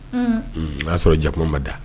O ya sɔrɔ jakuma ma da.